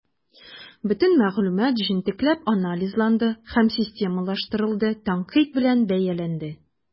Бөтен мәгълүмат җентекләп анализланды һәм системалаштырылды, тәнкыйть белән бәяләнде.